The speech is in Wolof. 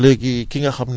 day maye pho phosphate